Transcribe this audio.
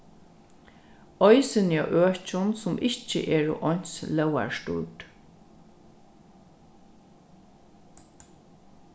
eisini á økjum sum ikki eru eins lógarstýrd